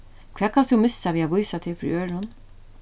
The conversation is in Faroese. hvat kanst tú missa við at vísa teg fyri øðrum